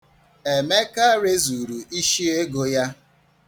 Emeka rezuru isiego ya.